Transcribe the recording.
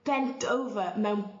bent over mewn